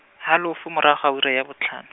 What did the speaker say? halofo morago ga ura ya botlhan-.